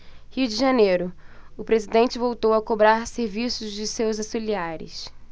rio de janeiro o presidente voltou a cobrar serviço de seus auxiliares